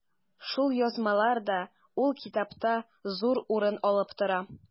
Шул язмалар да ул китапта зур урын алып тора.